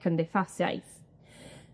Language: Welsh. cymdeithasiaeth.